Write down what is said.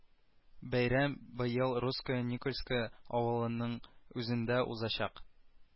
Бәйрәм быел русское никольское авылының үзендә узачак